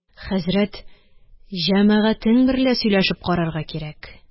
Хәзрәт: – Җәмәгатең берлә сөйләшеп карарга кирәк